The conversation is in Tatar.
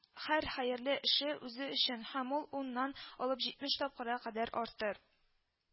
Һәр хәерле эше үзе өчен, һәм ул уннан алып җитмеш тапкырга кадәр артыр